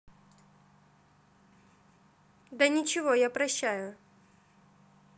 да ничего я прощаю